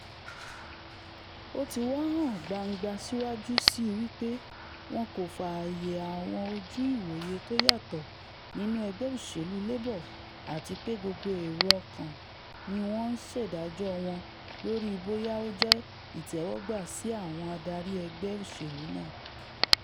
Ó ti wá ńhàn gbangba síwájú síi wí pé wọn kò fààyè àwọn ojú ìwòye tó yàtọ̀ nínú ẹgbẹ́ òṣèlú Labour àtipé gbogbo èrò ọkàn ni wọn ńṣédájọ́ wọn lórí bóyá ó jẹ́ ìtẹ́wọ́gbá sí àwọn adarí ẹgbẹ́ òṣèlú náà.